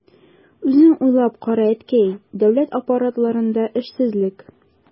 Үзең уйлап кара, әткәй, дәүләт аппаратларында эшсезлек...